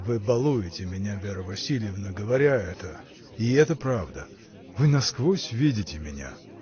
— Вы балуете меня, Вера Васильевна, говоря это: но это правда! Вы насквозь видите меня.